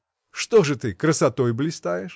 — Что же ты, красотой блистаешь?.